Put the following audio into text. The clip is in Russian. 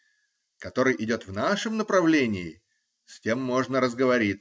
Который идет в нашем направлении -- с тем можно разговориться.